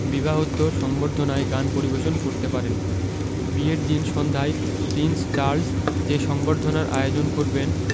বিবাহোত্তর সংবর্ধনায় গান পরিবেশন করতে পারেন বিয়ের দিন সন্ধ্যায় প্রিন্স চার্লস যে সংবর্ধনার আয়োজন করবেন